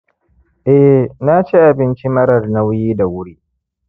eh, na ci abinci marar nauyi da wuri